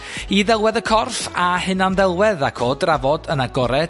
i ddelwedd y corff a hunanddelwedd ag o drafod yn agored